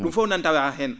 ?um fof nan tawaa heen